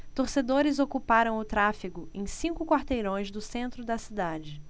torcedores ocuparam o tráfego em cinco quarteirões do centro da cidade